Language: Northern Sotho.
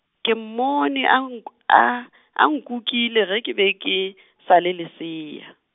ke mmone a nku- a, a nkukile ge ke be ke, sa le lesea.